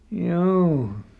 joo